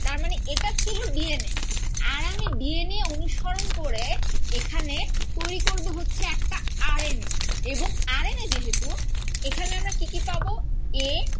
তার মানে এটা ছিল ডি এন এ আর আমি ডি এন এ অনুসরণ করে এখানে তৈরি করব হচ্ছে একটা আর এন এ এবং আর এন এ যেহেতু এখানে আমরা কি কি পাবো এ